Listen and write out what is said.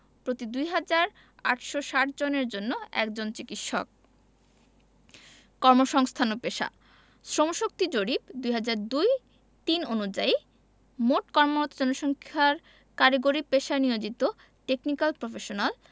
প্রতি ২হাজার ৮৬০ জনের জন্য একজন চিকিৎসক কর্মসংস্থান ও পেশাঃ শ্রমশক্তি জরিপ ২০০২ ০৩ অনুযায়ী মোট কর্মরত জনসংখ্যার কারিগরি পেশায় নিয়োজিত টেকনিকাল প্রফেশনাল